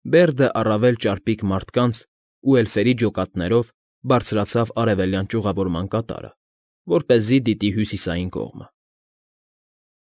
Բերդը առավել ճարպիկ մարդկանց ու էլֆերի ջոկատներով բարձրացավ արևելյան ճյուղավորման կատարը, որպեսզի դիտի հյուսիսային կողմը։